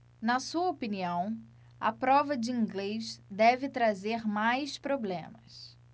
na sua opinião a prova de inglês deve trazer mais problemas